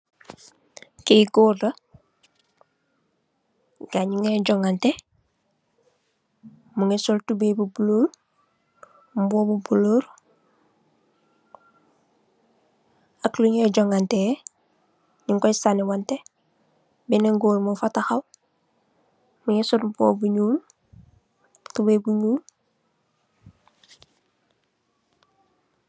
Kii gorrla gayi nyingeh jonganteh mungi sol tuboy bu blue mbubu bulorr ak lunyeh jonganteh nyunko saniwanteh benen gorr mofa taxaw mungi sol mbuba bu nyul tuboy bu nyul.